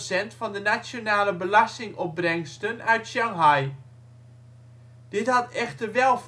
% van de nationale belastingopbrengsten uit Shanghai. Dit had echter wel